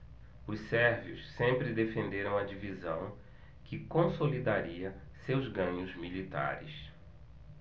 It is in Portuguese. os sérvios sempre defenderam a divisão que consolidaria seus ganhos militares